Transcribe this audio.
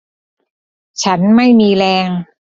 ฉันไม่มีแรง